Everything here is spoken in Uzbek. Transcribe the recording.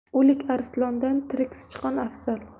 o'lik arslondan tirik sichqon afzal